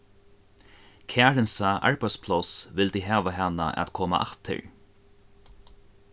karinsa arbeiðspláss vildi hava hana at koma aftur